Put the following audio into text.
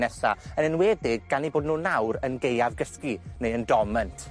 nesa, yn enwedig gan 'u bod nw nawr yn gaeafgysgu, neu yn dorment.